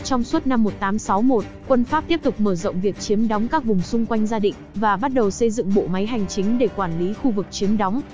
trong suốt năm quân pháp tiếp tục mở rộng việc chiếm đóng các vùng xung quanh gia định và bắt đầu xây dựng bộ máy hành chính để quản lý khu vực chiếm đóng